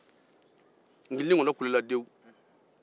nkilintikolonto kulela dewu